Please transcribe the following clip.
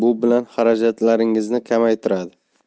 bu bilan xarajatlaringizni kamaytiradi